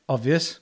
Obvious.